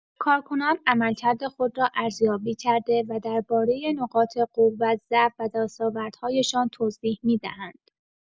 کارکنان عملکرد خود را ارزیابی کرده و درباره نقاط قوت، ضعف و دستاوردهایشان توضیح می‌دهند.